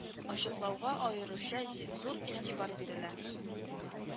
Ачыклауга аеруча зи зур игътибар бирелә